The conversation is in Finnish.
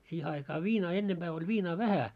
siihen aikaan viinaa ennempää oli viinaa vähän